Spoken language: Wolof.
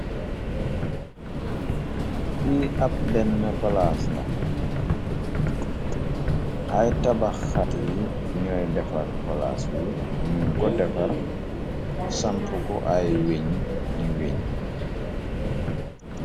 fiy ab benn palaas la ay tabax xat yi ñooy defar palaas wi ñum ko defar sampku ay wiñ ñi wiñ.